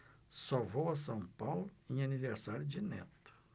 só vou a são paulo em aniversário de neto